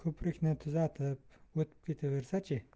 ko'prikni tuzatib o'tib ketaversa chi